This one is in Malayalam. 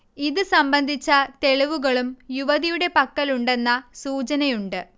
ഇത് സംബന്ധിച്ച തെളിവുകളും യുവതിയുടെ പക്കലുണ്ടെന്ന സൂചനയുണ്ട്